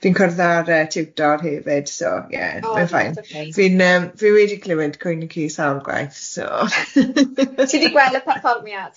fi'n cwrdd a'r yy tiwtor hefyd so ie mae'n fine fi'n yym, fi wedi clywed cwyn y ci sawl gwaith so... Ti di gweld y perfformiad?